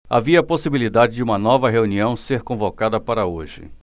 havia possibilidade de uma nova reunião ser convocada para hoje